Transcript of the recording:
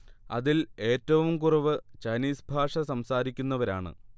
അതിൽ ഏറ്റവും കുറവ് ചൈനീസ് ഭാഷ സംസാരിക്കുന്നവരാണ്